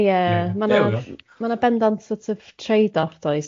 ...ie ma'... Ma'n iawn. ...na ma' na bendant sort of trade off does?